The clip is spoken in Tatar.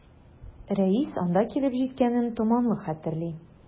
Рәис анда килеп җиткәнен томанлы хәтерли.